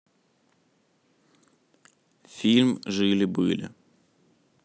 фильм жили были